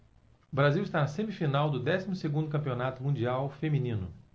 o brasil está na semifinal do décimo segundo campeonato mundial feminino